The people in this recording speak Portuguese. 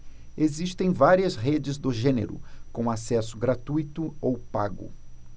existem várias redes do gênero com acesso gratuito ou pago